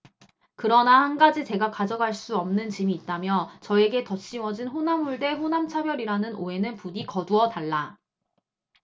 그러나 한 가지 제가 가져갈 수 없는 짐이 있다며 저에게 덧씌워진 호남홀대 호남차별이라는 오해는 부디 거두어 달라